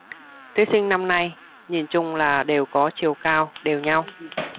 thí sinh năm nay nhìn chung là đều có chiều cao đều nhau